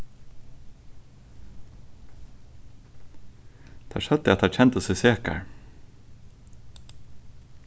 teir søgdu at teir kendu seg sekar